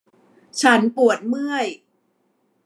ฉันปวดเมื่อย